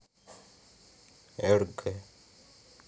rg